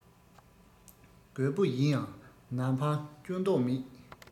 རྒོད པོ ཡིན ཡང ནམ འཕང གཅོད མདོག མེད